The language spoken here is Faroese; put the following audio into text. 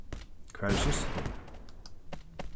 hvar er systir tín